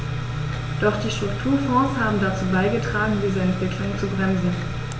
Doch die Strukturfonds haben dazu beigetragen, diese Entwicklung zu bremsen.